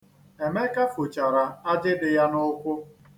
Emeka fochara ajị dị ya n'ụkwụ.